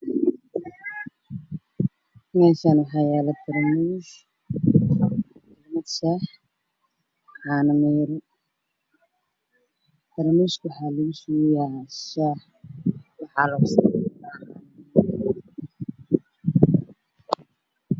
Meeshaan waxaa yaalo tarmuus, jalmad shaax iyo caano miir. Tarmuuska waxaa lugu shubahayaa shaax.